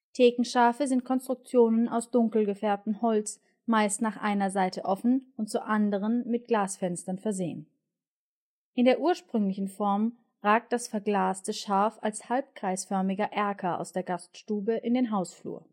Thekenschaafe sind Konstruktionen aus dunkel gefärbtem Holz, meist nach einer Seite offen und zur anderen Seite mit Glasfenstern versehen. In der ursprünglichen Form ragt das verglaste Schaaf als halbkreisförmiger Erker aus der Gaststube in den Hausflur